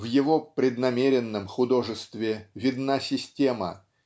в его преднамеренном художестве видна система